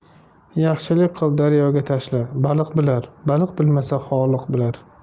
yaxshilik qil daryoga tashla baliq bilar baliq bilmasa xoliq bilar